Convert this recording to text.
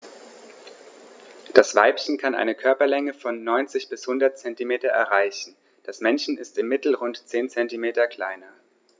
Das Weibchen kann eine Körperlänge von 90-100 cm erreichen; das Männchen ist im Mittel rund 10 cm kleiner.